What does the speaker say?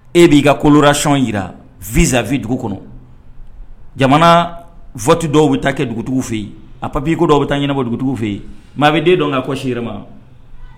E b'i ka koloracon jira v zzai dugu kɔnɔ jamana fɔti dɔw bɛ taa kɛ dugu fɛ yen a papi i dɔw bɛ taa ɲɛnabɔ dugutigi fɛ yen maa bɛ den dɔn ka ko si ma